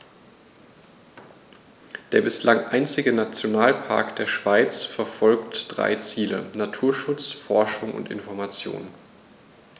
Der bislang einzige Nationalpark der Schweiz verfolgt drei Ziele: Naturschutz, Forschung und Information.